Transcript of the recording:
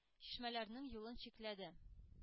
Чишмәләрнең юлын чикләде,